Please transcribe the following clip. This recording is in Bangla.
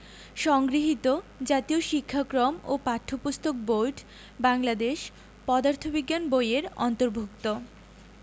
সংগৃহীত জাতীয় শিক্ষাক্রম ও পাঠ্যপুস্তক বোর্ড বাংলাদেশ পদার্থ বিজ্ঞান বই এর অন্তর্ভুক্ত